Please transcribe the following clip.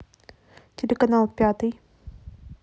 телеканал пятый